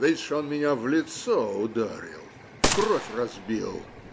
Видишь, он меня в лицо ударил, в кровь разбил.